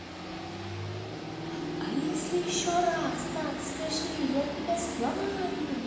а если еще раз так скажи я тебе сломаю